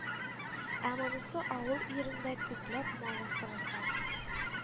Ә монысы авыл ирендә күпләп мал асрарга